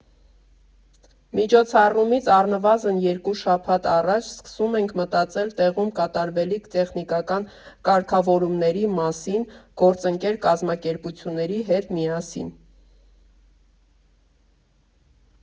Միջոցառումից առնվազն երկու շաբաթ առաջ սկսում ենք մտածել տեղում կատարվելիք տեխնիկական կարգավորումների մասին գործընկեր կազմակերպությունների հետ միասին։